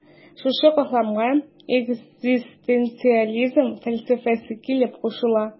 Шушы катламга экзистенциализм фәлсәфәсе килеп кушыла.